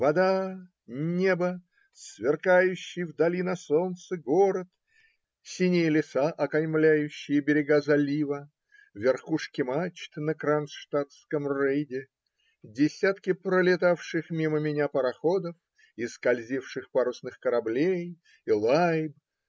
Вода, небо, сверкающий вдали на солнце город, синие леса, окаймляющие берега залива, верхушки мачт на кронштадтском рейде, десятки пролетавших мимо меня пароходов и скользивших парусных кораблей и лайб